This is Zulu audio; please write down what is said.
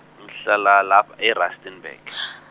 ngihlala lapha e- Rustenburg .